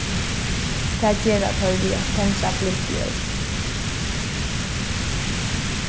tað gera teir við at tendra blinkljós